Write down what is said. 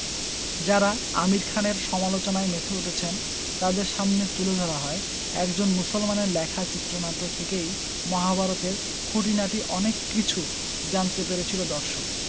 যাঁরা আমির খানের সমালোচনায় মেতে উঠেছেন তাঁদের সামনে তুলে ধরা হয় একজন মুসলমানের লেখা চিত্রনাট্য থেকেই মহাভারত এর খুঁটিনাটি অনেক কিছু জানতে পেরেছিল দর্শক